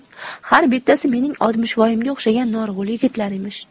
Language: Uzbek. har bittasi mening oltmishvoyimga o'xshagan norg'il yigitlar emish